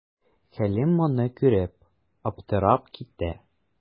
Хәлим моны күреп, аптырап китә.